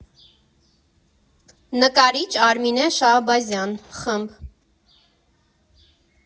Նկարիչ Արմինե Շահբազյան ֊ խմբ.